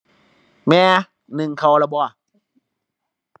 แม่ นึ่งข้าวแล้วบ่